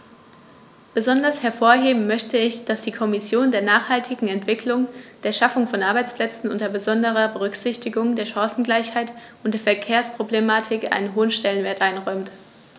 Besonders hervorheben möchte ich, dass die Kommission der nachhaltigen Entwicklung, der Schaffung von Arbeitsplätzen unter besonderer Berücksichtigung der Chancengleichheit und der Verkehrsproblematik einen hohen Stellenwert einräumt.